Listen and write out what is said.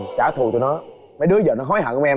trả thù cho nó mấy đứa giờ nó hối hận không em